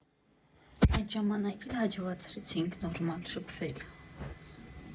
Այդ ժամանակ էլ հաջողացրեցինք նորմալ շփվել։